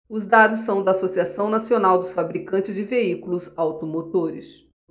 os dados são da anfavea associação nacional dos fabricantes de veículos automotores